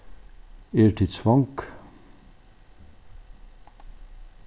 eru tit svong